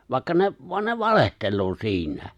vaikka ne vaan ne valehtelee siinä